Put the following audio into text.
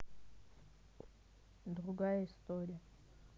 другая история